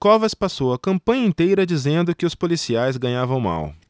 covas passou a campanha inteira dizendo que os policiais ganhavam mal